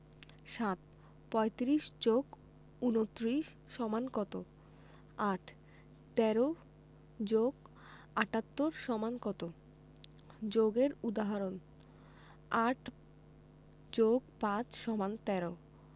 ৭ ৩৫ + ২৯ = কত ৮ ১৩ + ৭৮ = কত যোগের উদাহরণঃ ৮ + ৫ = ১৩